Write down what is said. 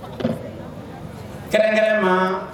Kɛrɛnkɛrɛn ma